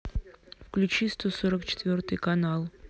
включи сто сорок четвертый канал